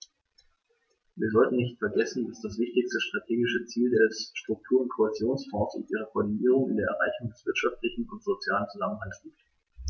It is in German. Wir sollten nicht vergessen, dass das wichtigste strategische Ziel der Struktur- und Kohäsionsfonds und ihrer Koordinierung in der Erreichung des wirtschaftlichen und sozialen Zusammenhalts liegt.